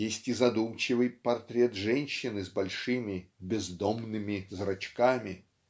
есть и задумчивый портрет женщины с большими "бездомными" зрачками